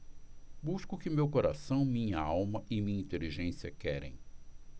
busco o que meu coração minha alma e minha inteligência querem